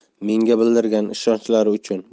menga bildirgan ishonchlari uchun